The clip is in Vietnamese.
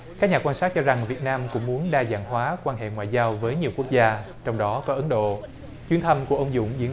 các nhà quan sát cho rằng việt nam cũng muốn đa dạng hóa quan hệ ngoại giao với nhiều quốc gia trong đó có ấn độ chuyến thăm của ông dũng diễn